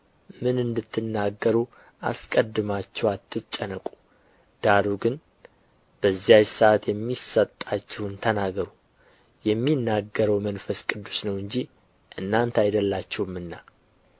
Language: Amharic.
ምን እንድትናገሩ አስቀድማችሁ አትጨነቁ ዳሩ ግን በዚያች ሰዓት የሚሰጣችሁን ተናገሩ የሚነግረው መንፈስ ቅዱስ ነው እንጂ እናንተ አይደላችሁምና